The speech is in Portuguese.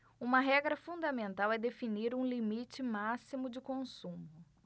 uma regra fundamental é definir um limite máximo de consumo